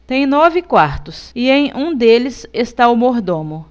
tem nove quartos e em um deles está o mordomo